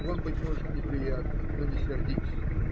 Вам, быть может, неприятно, но не сердитесь.